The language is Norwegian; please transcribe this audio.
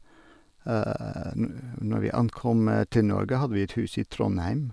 nu Når vi ankom til Norge, hadde vi et hus i Trondheim.